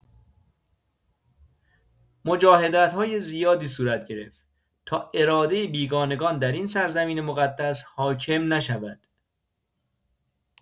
مجاهدت‌های زیادی صورت گرفت تا اراده بیگانگان در این سرزمین مقدس حاکم نشود.